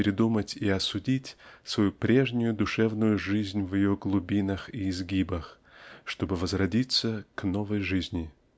передумать и осудить свою прежнюю душевную жизнь в ее глубинах и изгибах чтобы возродиться к новой жизни.